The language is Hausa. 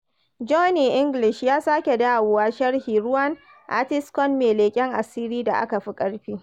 Johnny English Ya Sake Dawowa sharhi - Rowan Atkinson mai leƙen asiri da aka fi karfi